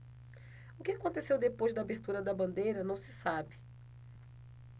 o que aconteceu depois da abertura da bandeira não se sabe